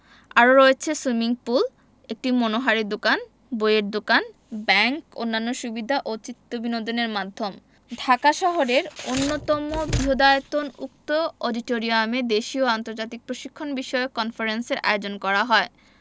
আরও রয়েছে swimming pool একটি মনোহারী দোকান বইয়ের দোকান ব্যাংক অন্যান্য সুবিধা ও চিত্তবিনোদনের মাধ্যম ঢাকা শহরের অন্যতম বৃহদায়তন উক্ত অডিটোরিয়ামে দেশীয় ও আন্তর্জাতিক প্রশিক্ষণ বিষয়ক কনফারেন্সের আয়োজন করা হয়